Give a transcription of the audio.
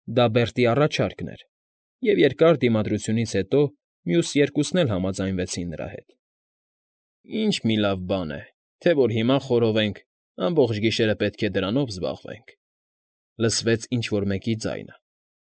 Դա Բերտի առաջարկն էր, և երկար դիմադրությունից հետո մյուս երկուսն էլ համաձայնեցին նրա հետ։ ֊ Ինչ մի լավ բան է, թե որ հիմա խորովենք, ամբողջ գիշերը պետք է դրանով զբաղվենք,֊ լսվեց ինչ֊որ մեկի ձայնը։